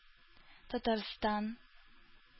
Татарстан